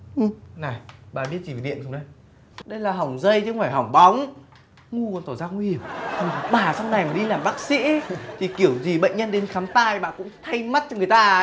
ư này bà biết gì về điện không đấy đây là hỏng dây chứ không phải hỏng bóng ngu còn tỏ ra nguy hiểm bà sau này mà đi làm bác sĩ ấy thì kiểu gì bệnh nhân đến khám tai bà cũng thay mắt thì người ta ấy